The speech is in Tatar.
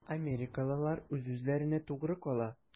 Америкалылар үз-үзләренә тугры кала.